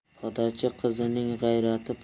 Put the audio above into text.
podachi qizining g'ayrati